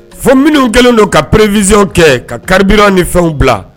Fɔ minnu kɛlen don ka prévision kɛ ka carburant ni fɛnw bila